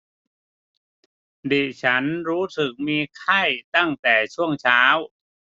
ดิฉันรู้สึกมีไข้ตั้งแต่ช่วงเช้า